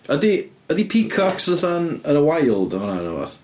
Ydy ydy peacocks fatha yn, yn y wild yn fan'na neu rywbath?